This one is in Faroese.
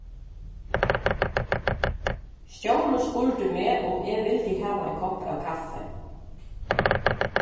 stjórin spurdi meg um eg vildi hava ein kopp av kaffi